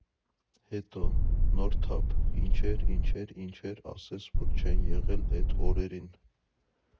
Հետո՝ նոր թափ, ինչեր, ինչեր, ինչեր ասես, որ չեն եղել էդ օրերին.